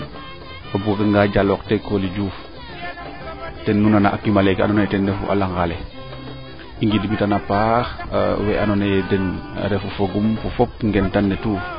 o buga nga jal deg Coly Diouf ten nu nana wax deg a kimale ando naye ten refu a langa le i ngidim kan a paax we ando naye den refu fogum fo fop ngen tan ne tout